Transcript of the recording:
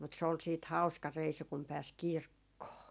mutta se oli sitten hauska reissu kun pääsi kirkkoon